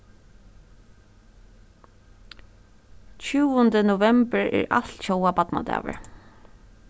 tjúgundi novembur er altjóða barnadagur